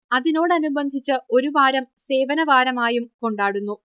അതിനോട നിബന്ധിച്ച് ഒരു വാരം സേവനവാരമായും കൊണ്ടാടുന്നു